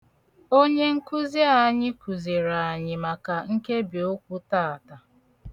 Onye nkuzi anyị kuziri anyị maka nkebiokwu taata.